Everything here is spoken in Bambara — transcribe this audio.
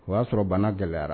O y'a sɔrɔ banna gɛlɛyayara